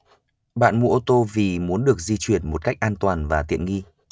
bạn mua ô tô vì muốn được di chuyển một cách an toàn và tiện nghi